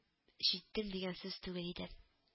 Җиттем дигән сүз түгел иде